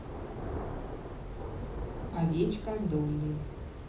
овечка долли